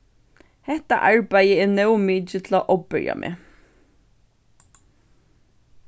hetta arbeiðið er nóg mikið til at ovbyrja meg